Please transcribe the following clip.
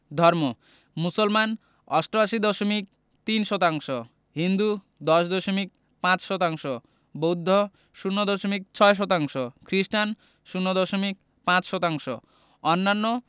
ধর্ম মুসলমান ৮৮দশমিক ৩ শতাংশ হিন্দু ১০দশমিক ৫ শতাংশ বৌদ্ধ ০ দশমিক ৬ শতাংশ খ্রিস্টান ০দশমিক ৫ শতাংশ অন্যান্য